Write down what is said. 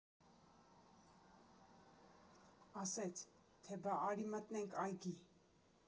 Ասեց, թե բա՝ արի մտնենք այգի։